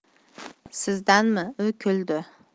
sizdanmi u kuldi